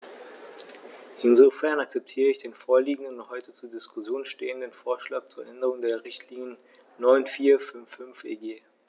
Insofern akzeptiere ich den vorliegenden und heute zur Diskussion stehenden Vorschlag zur Änderung der Richtlinie 94/55/EG.